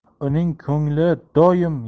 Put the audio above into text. uning ko'ngli doim